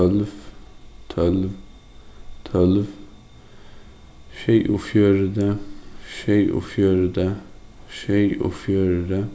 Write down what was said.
tólv tólv tólv sjeyogfjøruti sjeyogfjøruti sjeyogfjøruti